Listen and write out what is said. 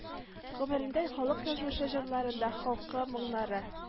Гомерендә халык язмышы җырларында халкы моңнары